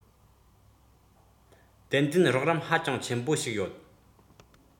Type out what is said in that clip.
ཏན ཏན རོགས རམ ཧ ཅང ཆེན པོ ཞིག ཡོད